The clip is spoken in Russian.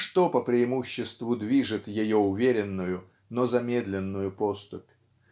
что по преимуществу движет ее уверенную но замедленную поступь.